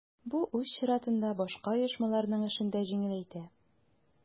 Бу үз чиратында башка оешмаларның эшен дә җиңеләйтә.